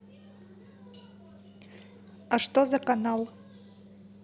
а что за канал